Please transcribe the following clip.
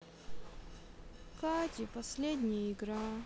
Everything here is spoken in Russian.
кадди последняя игра